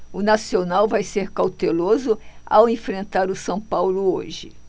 o nacional vai ser cauteloso ao enfrentar o são paulo hoje